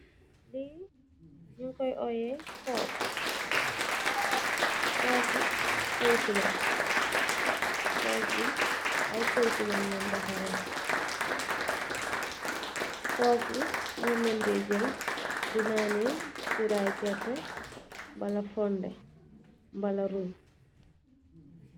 Bi noukoy wowe kop kop bi ay kop kawsoula kop bi ay kawsou lanouko defare kop bi mom lanou de diel di nanie tiouray gerte mbala fonde mbala rouye